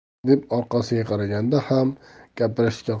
deb orqasiga qaraganda ham gapirishga